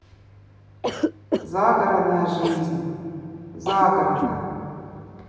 загородная жизнь загородная